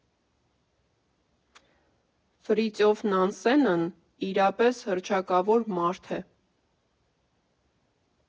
Ֆրիտյոֆ Նանսենն իրապես հռչակավոր մարդ է։